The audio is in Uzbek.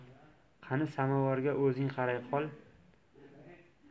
qani samovarga o'zing qaray qol